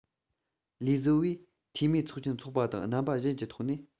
ལས བཟོ པའི འཐུས མིའི ཚོགས ཆེན འཚོག པ དང རྣམ པ གཞན གྱི ཐོག ནས